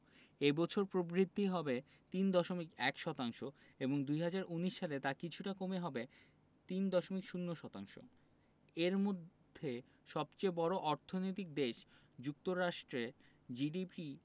এ বছর প্রবৃদ্ধি হবে ৩.১ শতাংশ এবং ২০১৯ সালে তা কিছুটা কমে হবে ৩.০ শতাংশ এর মধ্যে সবচেয়ে বড় অর্থনৈতিক দেশ যুক্তরাষ্ট্রে জিডিপি